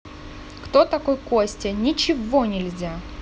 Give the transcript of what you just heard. кто такой костя ничего нельзя